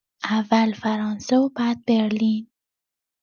اول فرانسه و بعد برلین